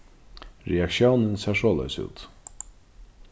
reaktiónin sær soleiðis út